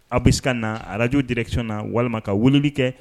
Aw bɛ se ka na arajo dɛrɛtina walima ka wuuni kɛ